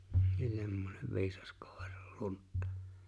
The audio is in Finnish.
semmoinen viisas koiran luntta